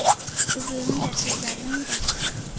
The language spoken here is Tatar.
Үбүең дә, сүзләрең дә...